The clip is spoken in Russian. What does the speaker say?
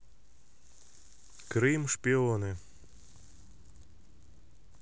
крым шпионы